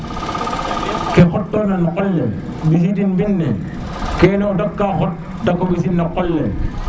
ke xotoona no qol le mbisii din ŋel le kene o dakka xot dako mbisin no qol le